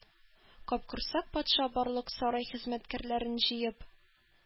Капкорсак патша барлык сарай хезмәткәрләрен җыеп,